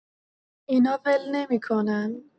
اینا ول نمی‌کنن.